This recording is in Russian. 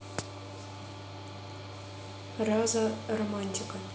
rasa романтика